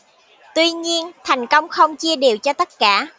tuy nhiên thành công không chia đều cho tất cả